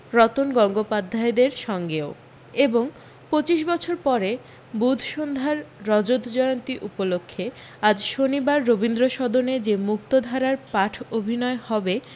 রতন গঙ্গোপাধ্যায়দের সঙ্গেও এবং পঁচিশ বছর পরে বুধসন্ধ্যার রজতজয়ন্তী উপলক্ষে আজ শনিবার রবীন্দ্রসদনে যে মুক্তধারার পাঠ অভিনয় হবে